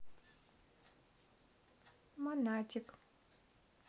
monatik